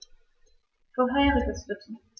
Vorheriges bitte.